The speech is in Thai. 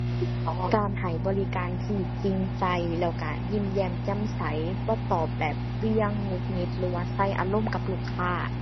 การให้บริการที่จริงใจ แล้วก็ยิ้มแย้มแจ่มใส บ่ตอบแบบเหวี่ยง หงุดหงิด หรือว่าใส่อารมณ์กับลูกค้า